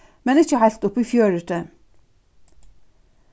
men ikki heilt upp í fjøruti